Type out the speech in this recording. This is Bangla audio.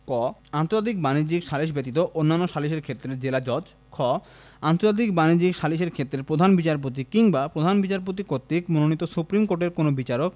ক আন্তর্জাতিক বাণিজ্যিক সালিস ব্যতীত অন্যান্য সালিসের ক্ষেত্রে জেলাজজ খ আন্তর্জাতিক বাণিজ্যিক সালিসের ক্ষেত্রে প্রধান বিচারপতি কিংবা প্রধান বিচারপতি কর্তৃক মনোনীত সুপ্রীমকোর্টের কোন বিচারক